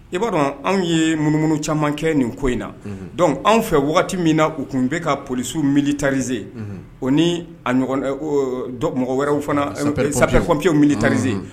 I b'a dɔn anw ye munumunu caman kɛ nin ko in na unhun dɔnc anw fɛ wagati min na u tun bɛ ka police w militariser unhun o nii a ɲɔgɔna e koo dɔ mɔgɔwɛrɛw fana sapeur-pompiers u militariser